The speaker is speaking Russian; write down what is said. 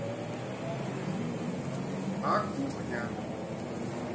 а кухня